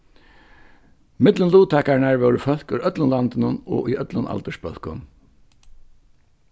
millum luttakararnar vóru fólk úr øllum landinum og í øllum aldursbólkum